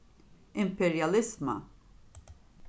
imperialisma